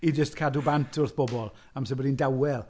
I jyst cadw bant wrth bobl, amser bod hi'n dawel.